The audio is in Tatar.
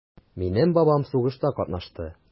Минем бабам сугышта катнашты.